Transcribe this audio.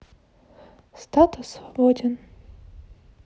статус свободен